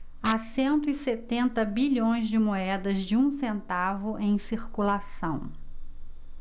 há cento e setenta bilhões de moedas de um centavo em circulação